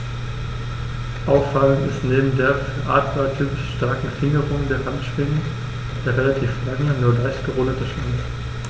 Auffallend ist neben der für Adler typischen starken Fingerung der Handschwingen der relativ lange, nur leicht gerundete Schwanz.